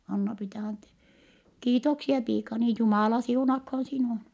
Anna-Priita - kiitoksia piikani Jumala siunatkoon sinua